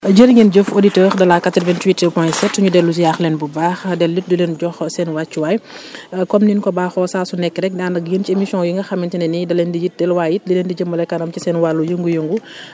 jërë ngeen jëf auditeurs de la 88 point 7 ñu dellu ziar leen bu baax dellu it di leen jox seen wàccuwaay comme ñu ñu ko baaxoo saa su nekk rek di ànd ak yéen ci émission yi nga xamante ne nii da leen di yitteel waaye it da leen di jëmale kanam ci seen wàllu yëngu-yëngu